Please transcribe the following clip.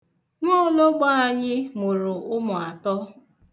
Nwoologbo anyị mụrụ ụmụ atọ.